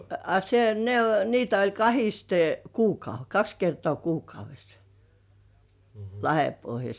a se ne - niitä oli kahdesti - kaksi kertaa kuukaudessa Lahdenpohjassa